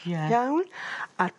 Ie. Iawn? a'r